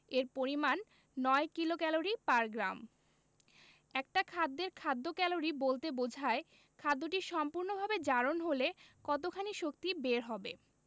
এর পরিমান ৯ kilocalorie per gram একটা খাদ্যের খাদ্য ক্যালোরি বলতে বোঝায় খাদ্যটি সম্পূর্ণভাবে জারণ হলে কতখানি শক্তি বের হবে